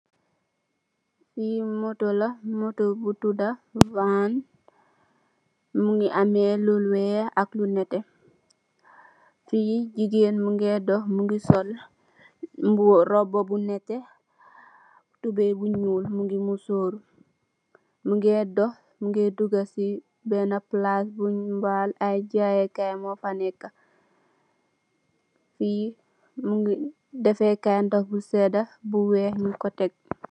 Lii motto la, motto bu tudda van, mu ngi amee lu weex ak lu nétté. Fii jigéen mu ngee dox mu ngi sol mbuba bu nétté .. tubooy bu ñuul. Mu ngee dox mu ngee dugga si bennë palaas, ay jaayé kaay moo fa neekë Fii defee kaay ndox ñu seeda, bu weex moo fa neekë.